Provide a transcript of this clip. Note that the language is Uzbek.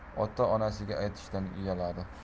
esa ota onasiga aytishdan uyaladi